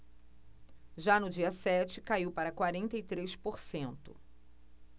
já no dia sete caiu para quarenta e três por cento